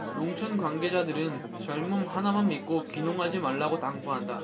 농촌 관계자들은 젊음 하나만 믿고 귀농하지 말라고 당부한다